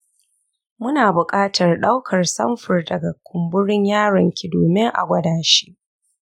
muna buƙatar ɗaukar samfur daga kumburin yaron ki domin a gwada shi